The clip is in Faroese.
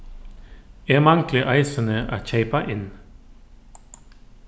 eg mangli eisini at keypa inn